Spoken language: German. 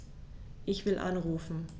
Ich will anrufen.